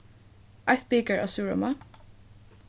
eitt bikar av súrróma